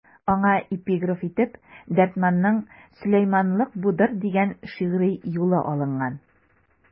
Аңа эпиграф итеп Дәрдмәнднең «Сөләйманлык будыр» дигән шигъри юлы алынган.